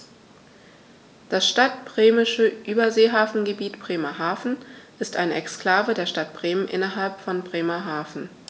Das Stadtbremische Überseehafengebiet Bremerhaven ist eine Exklave der Stadt Bremen innerhalb von Bremerhaven.